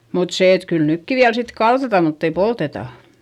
mutta se että kyllä nytkin vielä sitten kaltataan mutta ei polteta